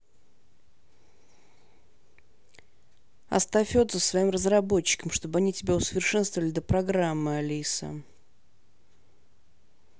оставь отзыв своим разработчикам чтобы они тебя усовершенствовали до программы алиса